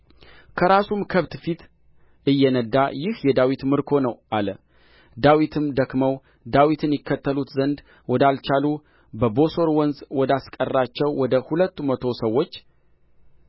ከራሱም ከብት ፊት እየነዳ ይህ የዳዊት ምርኮ ነው አለ ዳዊትም ደክመው ዳዊትን ይከተሉት ዘንድ ወዳልቻሉ በቦሦር ወንዝ ወዳስቀራቸው ወደ ሁለቱ መቶ ሰዎች